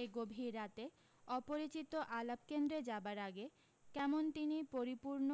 এই গভীর রাতে অপরিচিত আলাপ কেন্দ্রে যাবার আগে কেমন তিনি পরিপূর্ণ